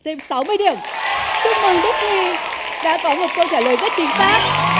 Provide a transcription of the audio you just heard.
thêm sáu mươi điểm chúc mừng đức huy đã có một câu trả lời rất chính xác